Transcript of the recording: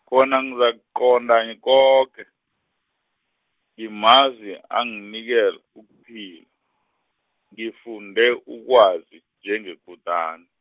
khona ngizakuqonda koke, ngumazo anginikela ukuphil-, ngifunde ukwazi, njengekutani.